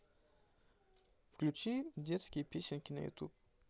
включи детские песенки на ютуб